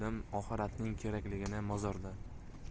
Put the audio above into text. bildim oxiratning kerakligini mozorda